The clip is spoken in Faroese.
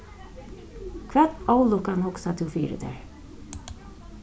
hvat ólukkan hugsar tú fyri tær